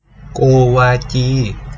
โกวาจี